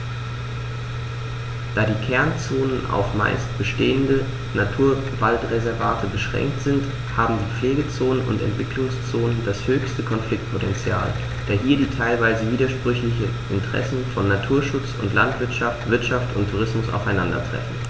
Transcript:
Da die Kernzonen auf – zumeist bestehende – Naturwaldreservate beschränkt sind, haben die Pflegezonen und Entwicklungszonen das höchste Konfliktpotential, da hier die teilweise widersprüchlichen Interessen von Naturschutz und Landwirtschaft, Wirtschaft und Tourismus aufeinandertreffen.